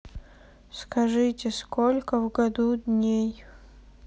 скажите сколько в году дней